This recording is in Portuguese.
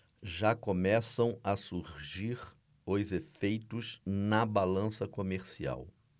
já começam a surgir os efeitos na balança comercial